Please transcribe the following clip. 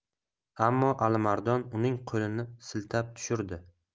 ammo alimardon uning qo'lini siltab tushirdi